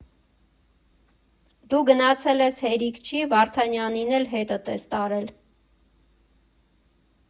Դու գնացել ես, հերիք չի, Վարդանյանին էլ հետդ ես տարել։